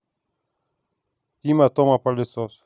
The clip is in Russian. тима тома пылесос